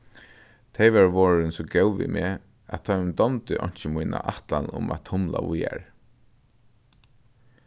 tey vóru vorðin so góð við meg at teimum dámdi einki mína ætlan um at tumla víðari